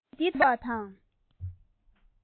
ངས འདི ལྟར བརྗོད པ དང